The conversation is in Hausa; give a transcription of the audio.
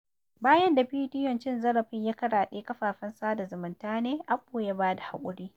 Bayan da bidiyon cin zarafin ya karaɗe kafafen sada zumunta ne, Abbo ya ba da haƙuri.